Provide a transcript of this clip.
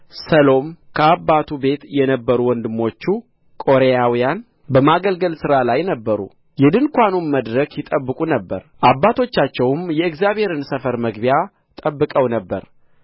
ሰሎም ከአባቱም ቤት የነበሩ ወንድሞቹ ቆሬያውያን በማገልገል ሥራ ላይ ነበሩ የድንኳኑንም መድረክ ይጠብቁ ነበር አባቶቻቸውም የእግዚአብሔርን ሰፈር መግቢያ ጠብቀው ነበር